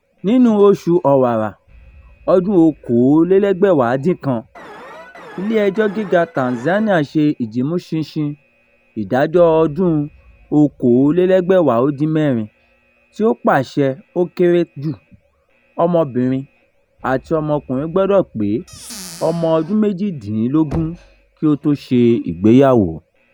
Nínú oṣù Ọ̀wàrà 2019, ilé ẹjọ́ gíga Tanzania ṣe ìdímú ṣinṣin ìdájọ́ ọdún-un 2016 tí ó pàṣẹ ó kéré jù, ọmọbìnrin àti ọmọkùnrin gbọdọ̀ pé ọmọ ọdún méjìdínlógún kí ó tó ṣe ìgbéyàwó.